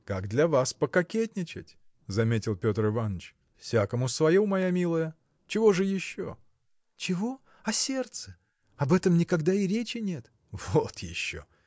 – Как для вас пококетничать, – заметил Петр Иваныч. – Всякому свое, моя милая! Чего же еще? – Чего! а сердце! об этом никогда и речи нет. – Вот еще!